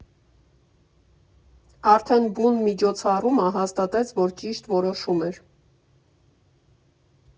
Արդեն բուն միջոցառումը հաստատեց, որ ճիշտ որոշում էր»։